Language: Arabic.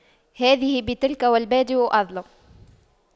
هذه بتلك والبادئ أظلم